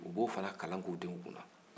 u b'o fana kalan kɛ u denw kun